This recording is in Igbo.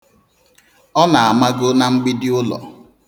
Ọ na-amago na mgbidi ụlọ.